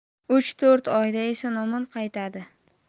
uch to'rt oyda eson omon qaytadi